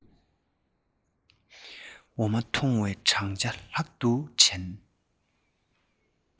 འོ མ འཐུང བའི བགྲང བྱ ལྷག ཏུ དྲན